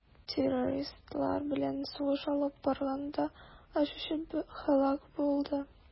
Террористлар белән сугыш алып барганда очучы һәлак булды.